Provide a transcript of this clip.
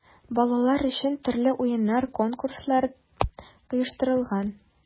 Балалар өчен төрле уеннар, конкурслар оештырылган.